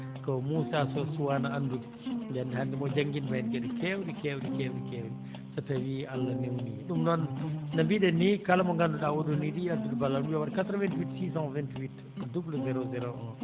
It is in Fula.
ko Moussa Sow suwaano anndude mbiɗa anndi hannde maa janngin men geɗe keewɗe keewɗe keewɗe keewɗe so tawii Allah newnii ɗum noon no mbiɗen ni kala mo ngannduɗaa oo ɗoo no yiɗi addude ballal mum waɗ 88 628 00 01